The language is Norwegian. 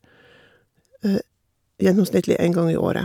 Gjennomsnittlig en gang i året.